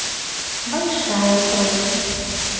большая просто